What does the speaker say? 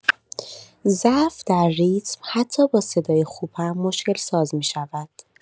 ضعف در ریتم حتی با صدای خوب هم مشکل‌ساز می‌شود.